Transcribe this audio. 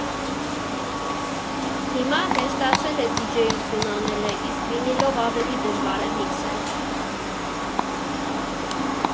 «Հիմա հեշտացել է դիջեյություն անելը, իսկ վինիլով ավելի դժվար է միքսել։